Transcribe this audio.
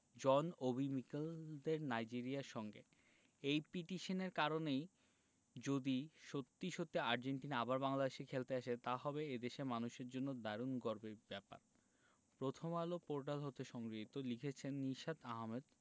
জন Obi মিকেলদের নাইজেরিয়ার সঙ্গে এই পিটিশনের কারণে যদি সত্যি সত্যি আর্জেন্টিনা আবার বাংলাদেশে খেলতে আসে তা হবে এ দেশের মানুষের জন্য দারুণ গর্বের ব্যাপার প্রথমআলো পোর্টাল হতে সংগৃহীত লিখেছেন নিশাত আহমেদ